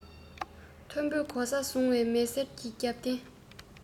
མཐོན པོའི གོ ས བཟུང བའི མི སེར གྱི རྒྱབ རྟེན